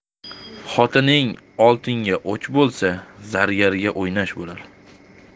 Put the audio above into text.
xotining oltinga o'ch bo'lsa zargarga o'ynash bo'lar